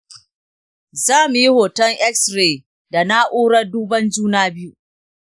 za mu yi hoton x-ray da na’urar duban juna biyu.